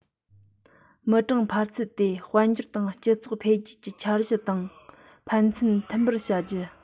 མི གྲངས འཕར ཚད དེ དཔལ འབྱོར དང སྤྱི ཚོགས འཕེལ རྒྱས ཀྱི འཆར གཞི དང ཕན ཚུན མཐུན པར བྱ རྒྱུ